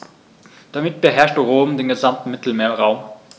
Damit beherrschte Rom den gesamten Mittelmeerraum.